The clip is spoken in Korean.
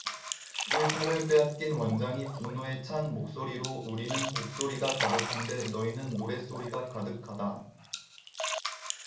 일타를 빼앗긴 원장이 분노에 찬 목소리로 우리는 곡소리가 가득한데 너희는 노랫소리가 가득하다